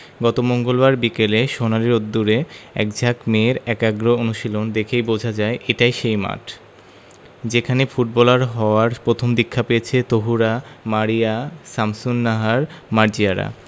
গত মঙ্গলবার বিকেলে সোনালি রোদ্দুরে একঝাঁক মেয়ের একাগ্র অনুশীলন দেখেই বোঝা যায় এটাই সেই মাঠ যেখানে ফুটবলার হওয়ার প্রথম দীক্ষা পেয়েছে তহুরা মারিয়া শামসুন্নাহার মার্জিয়ারা